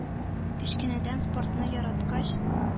– кечкенәдән спортны яраткач,